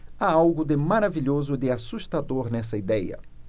há algo de maravilhoso e de assustador nessa idéia